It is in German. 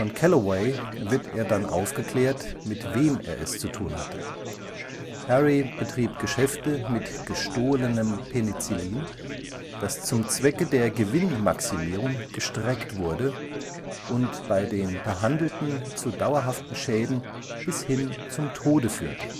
Calloway wird er dann aufgeklärt, mit wem er es zu tun hatte. Harry betrieb Geschäfte mit gestohlenem Penicillin, das zum Zwecke der Gewinnmaximierung gestreckt wurde und bei den Behandelten zu dauerhaften Schäden bis hin zum Tode führte